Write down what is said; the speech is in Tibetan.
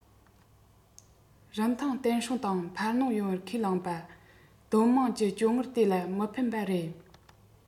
རིན ཐང བརྟན སྲུང དང འཕར སྣོན ཡོང བར ཁས བླངས པ སྡོད དམངས ཀྱི བཅོལ དངུལ དེ ལ མི ཕན པ རེད